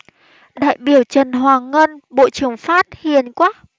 đại biểu trần hoàng ngân bộ trưởng phát hiền quá